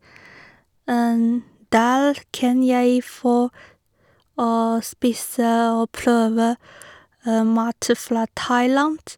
Der kan jeg få og spise og prøve mat fra Thailand.